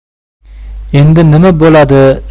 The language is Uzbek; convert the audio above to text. endi nima buladi